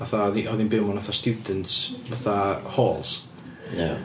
Fatha, oedd hi oedd hi'n byw mewn fatha students fatha halls... Ia...